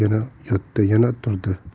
yana yotdi yana turdi